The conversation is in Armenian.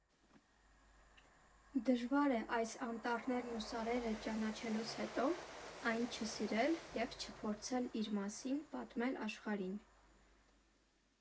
Դժվար է այս անտառներն ու սարերը ճանաչելուց հետո այն չսիրել և չփորձել իր մասին պատմել աշխարհին։